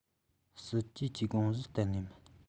སྲིད ཇུས ཀྱི དགོངས གཞི གཏན ནས མིན